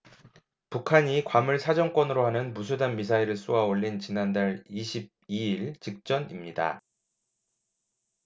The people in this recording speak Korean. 북한이 괌을 사정권으로 하는 무수단 미사일을 쏘아 올린 지난달 이십 이 일 직전입니다